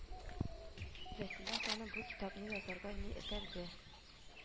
Вәсилә ханым, бу китапны язарга ни этәрде